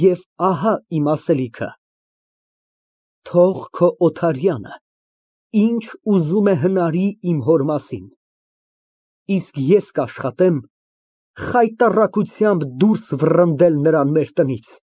Եվ ահա իմ ասելիքը. ֊ թող քո Օթարյանը ինչ ուզում է հնարի իմ հոր մասին, իսկ ես կաշխատեմ խայտառակությամբ դուրս վռնդել նրան մեր տնից։